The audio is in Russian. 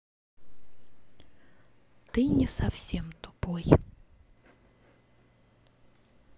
ты не совсем тупой